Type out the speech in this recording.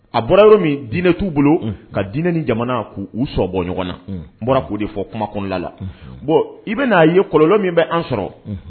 A bɔra yɔrɔ min diinɛ t'u bolo ka diinɛnin jamana k' uu sɔn bɔ ɲɔgɔn na n bɔra k'o de fɔ kuma kɔnɔnala la i bɛna n'a ye kɔ kolonlɔ min bɛ an sɔrɔ